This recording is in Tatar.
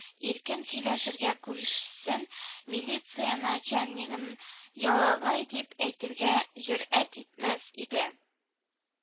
Иркен сөйләшергә, күрешсен, милиция начальнигын ялагай дип әйтергә җөрьәт итмәс иде